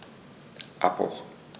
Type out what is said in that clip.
Abbruch.